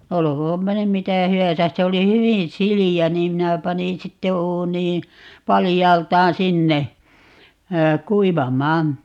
olkoonpa nyt mitä hyvänsä se oli hyvin sileä niin minä panin sitten uuniin paljaaltaan sinne kuivamaan